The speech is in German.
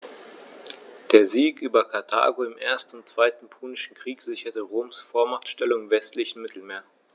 Der Sieg über Karthago im 1. und 2. Punischen Krieg sicherte Roms Vormachtstellung im westlichen Mittelmeer.